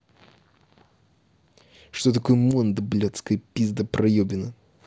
что такое monde блядская пиздопроебина